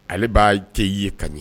Ale b'a tɛ ye ka ɲɛ